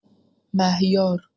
مهیار